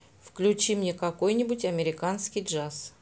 включи мне какой нибудь американский джаз